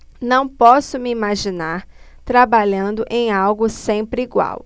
não posso me imaginar trabalhando em algo sempre igual